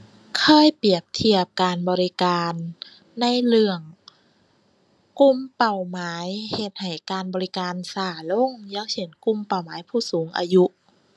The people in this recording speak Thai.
เคยเปรียบเทียบการบริการในเรื่องกลุ่มเป้าหมายเฮ็ดให้การบริการช้าลง อย่างเช่นกลุ่มเป้าหมายผู้สูงอายุ